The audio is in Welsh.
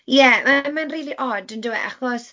Ie mae mae'n rili od yndyw e, achos...